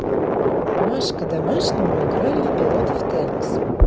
машка домашнему играли в пилотов тэнкс